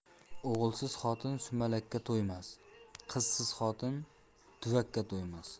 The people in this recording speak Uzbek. o'g'ilsiz xotin sumakka to'ymas qizsiz xotin tuvakka to'ymas